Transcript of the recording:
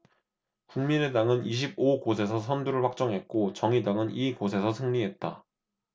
국민의당은 이십 오 곳에서 선두를 확정했고 정의당은 이 곳에서 승리했다